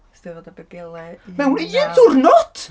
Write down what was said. Steddfod Abergele {un naw, 1 9}... Mewn un diwrnod?!